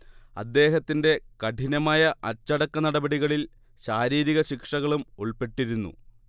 അദ്ദേഹത്തിന്റെ കഠിനമായ അച്ചടക്കനടപടികളിൽ ശാരീരിക ശിക്ഷകളും ഉൾപ്പെട്ടിരുന്നു